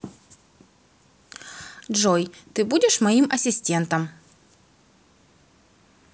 джой ты будешь моим ассистентом